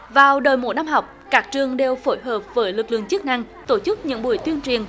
vào đầu mỗi năm học các trường đều phối hợp với lực lượng chức năng tổ chức những buổi tuyên truyền